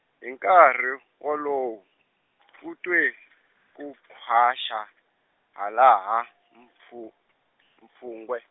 hi nkarhi wolowo , u twe ku khwaxa, halaha-, mpfu-, mpfungwe.